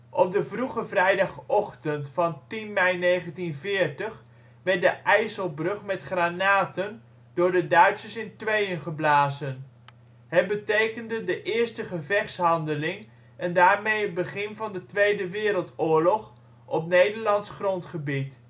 Op de vroege vrijdagochtend van 10 mei 1940 werd de IJsselbrug met granaten door de Duitsers in tweeën geblazen. Het betekende de eerste gevechtshandeling en daarmee het begin van de Tweede Wereldoorlog op Nederlands grondgebied